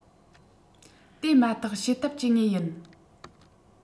དེ མ ཐག བྱེད ཐབས སྤྱད ངེས ཡིན